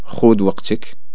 خود وقتك